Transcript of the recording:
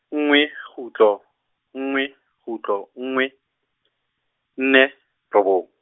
nngwe kgutlo, nngwe kgutlo nngwe, nne, robong.